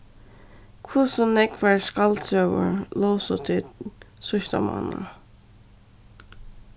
hvussu nógvar skaldsøgur lósu tit síðsta mánað